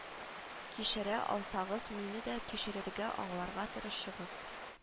Кичерә алсагыз мине дә кичерергә аңларга тырышыгыз